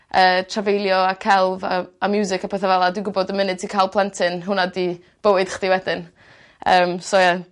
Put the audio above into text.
yy trafeilio a celf a a miwsic a petha fel 'a dwi gwybod y munud ti ca'l plentyn hwnna 'di bywyd chdi wedyn yym so ia.